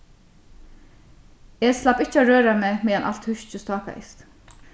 eg slapp ikki at røra meg meðan alt húskið stákaðist